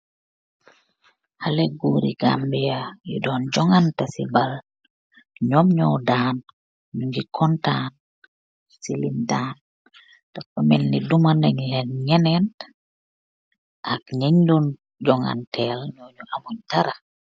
Aleguuri gàmbia yi doon joŋanta ci bal ñoom ñoo daan ñu ngi kontaan ci liñ daan te ko melni duma na ñeneen ak ñeñ doon joŋanteel ñooñu amuñ tara.